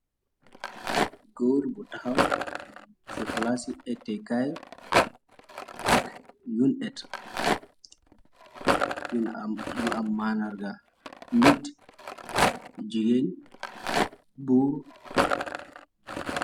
Gór bu taxaw ci plasi étte kay ak yun et yu am mandarga nit jigéen bur.